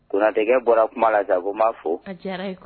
Konatɛkɛ bɔra kuma sisan ko n b'a fo, a diyar'a ye k